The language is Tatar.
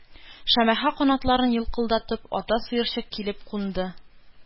Шәмәхә канатларын елкылдатып, ата сыерчык килеп кунды.